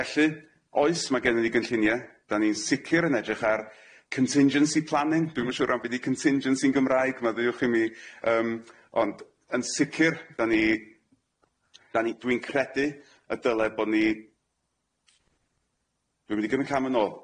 Felly oes ma' gennyn ni gynllunie, 'dan ni'n sicir yn edrych ar contingency planning dwi'm yn siŵr iawn be' 'di contingency yn Gymraeg maddiwch i mi yym ond yn sicir 'dan ni 'dan ni dwi'n credu y dylai bo ni dwi mynd i gymy' cam yn ôl.